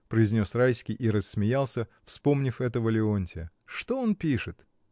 — произнес Райский и рассмеялся, вспомнив этого Леонтия. — Что он пишет?